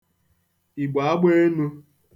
Ìgbò Agbeenū